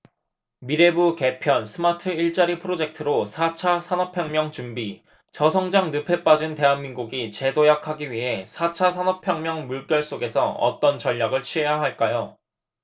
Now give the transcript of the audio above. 미래부 개편 스마트일자리 프로젝트로 사 차 산업혁명 준비 저성장 늪에 빠진 대한민국이 재도약하기 위해 사 차 산업혁명 물결 속에서 어떤 전략을 취해야 할까요